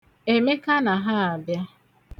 Emeka naha abịa.